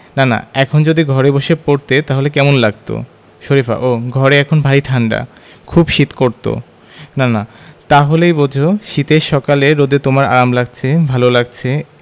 নানা এখন যদি ঘরে বসে পড়তে তাহলে কেমন লাগত শরিফা ওহ ঘরে এখন ভারি ঠাণ্ডা খুব শীত করত নানা তা হলেই বোঝ শীতের সকালে রোদে তোমার আরাম লাগছে ভালো লাগছে